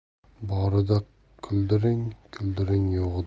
borida kuldiring kuldiring